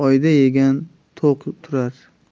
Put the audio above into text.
oyda yegan to'q turar